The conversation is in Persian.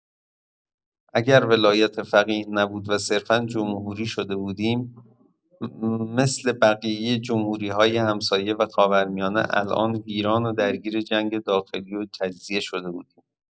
اگر ولایت‌فقیه نبود و صرفا جمهوری شده بودیم، مثل بقیه جمهوری‌های همسایه و خاورمیانه، الان ویران و درگیر جنگ داخلی و تجزیه شده بودیم!